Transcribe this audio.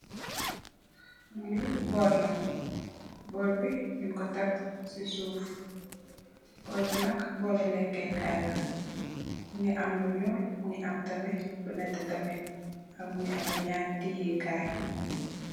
Li bola, bolbi nyunko tek si suff, bolbi nak boli leke kaila, mungi am lu nyul, mungii amm tamit lu nete, mungi ame nyari teye kai.